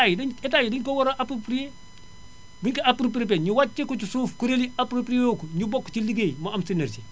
kooku tey jii Etat yi dañ Etats yi dañu koo war a approprié bu ñu ko approprié ñu wàcce ko ci suuf kuréel yi approprié ko ñu bokk ci liggéey mu am synergie